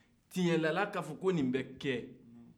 cɛncɛndala k'a fɔ ko nin bɛ kɛ